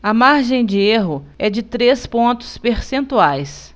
a margem de erro é de três pontos percentuais